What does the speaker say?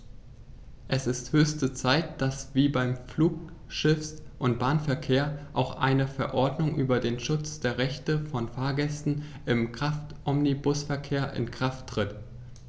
Es ist höchste Zeit, dass wie beim Flug-, Schiffs- und Bahnverkehr auch eine Verordnung über den Schutz der Rechte von Fahrgästen im Kraftomnibusverkehr in Kraft tritt.